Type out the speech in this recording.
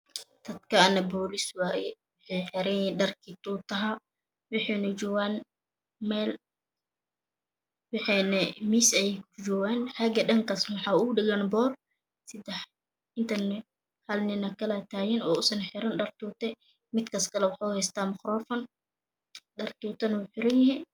Kuwaana boolis waye waxay xiranyihiin dharka tuutaha ah waxayna joogaan meel miis ayay duljoogaan xaga dhankaas waxaa oga dhagan boor sadex intana halninoo kalaa tagan oo isna xiran dhar tuute ah midkaas kale waxa uu haystaa makaroofan dhar tuuta ahna wuu xiranyahay